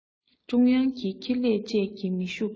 ཀྲུང དབྱང གི ཁེ ལས བཅས ཀྱིས མི ཤུགས དང